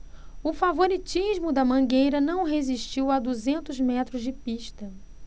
o favoritismo da mangueira não resistiu a duzentos metros de pista